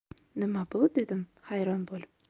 nima bu dedim hayron bo'lib